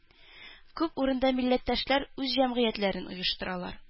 Күп урында милләттәшләр үз җәмгыятьләрен оештыралар